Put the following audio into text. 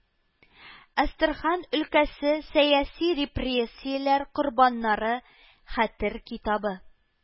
Әстерхан өлкәсе сәяси репрессияләр корбаннары хәтер китабы